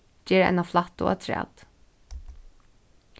ger eina flættu afturat